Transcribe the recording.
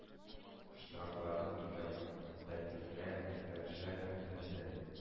Штрафларны түләү тәртибенә үзгәрешләр кертелде.